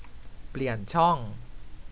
เปลี่ยนช่อง